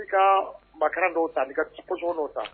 I' ka ma'o ta ka kɔsɔn'o ta